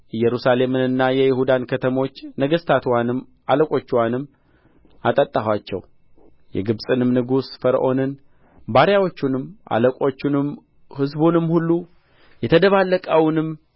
ኢየሩሳሌምንና የይሁዳን ከተሞች ነገሥታትዋንም አለቆችዋንም አጠጣኋቸው የግብጽንም ንጉሥ ፈርዖንን ባሪያዎቹንም አለቆቹንም ሕዝቡንም ሁሉ የተደባለቀውንም